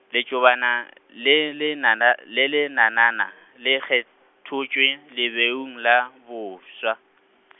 letšobana le lenana le lenanana, le kgothotše leubeng la bofsa .